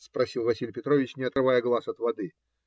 - спросил Василий Петрович, не отрывая глаз от воды.